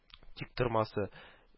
Тиктормасы